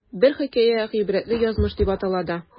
Бер хикәя "Гыйбрәтле язмыш" дип атала да.